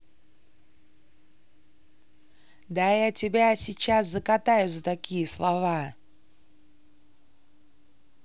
да я тебя сейчас закатаю за такие слова